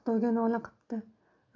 xudoga nola qipti